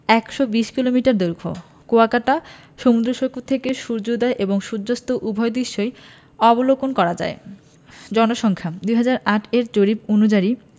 ১২০ kilometre দীর্ঘ কুয়াকাটা সমুদ্র সৈকত থেকে সূর্যোদয় ও সূর্যাস্ত উভয় দৃশ্যই অবলোকন করা যায় জনসংখ্যাঃ ২০০৮ এর জরিপ অনুযারি